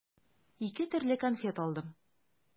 Ике төрле конфет алдым.